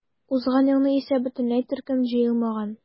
Узган елны исә бөтенләй төркем җыелмаган.